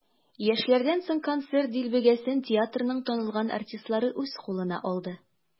Яшьләрдән соң концерт дилбегәсен театрның танылган артистлары үз кулына алды.